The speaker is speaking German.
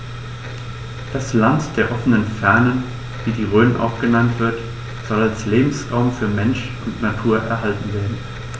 Das „Land der offenen Fernen“, wie die Rhön auch genannt wird, soll als Lebensraum für Mensch und Natur erhalten werden.